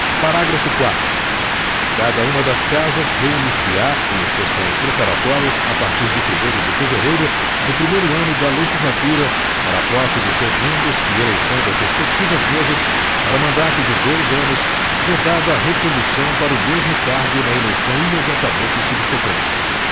parágrafo quarto cada uma das casas reunir se á em sessões preparatórias a partir de primeiro de fevereiro no primeiro ano da legislatura para a posse de seus membros e eleição das respectivas mesas para mandato de dois dois anos vedada a recondução para o mesmo cargo na eleição imediatamente subseqüente